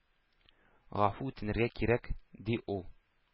Гафу үтенергә кирәк, – ди ул.